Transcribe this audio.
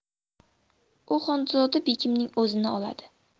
u xonzoda begimning o'zini oladi